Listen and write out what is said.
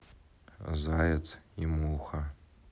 заяц и муха